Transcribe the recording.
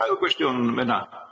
Ail gwestiwn Menna?